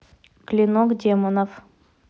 клинок демонов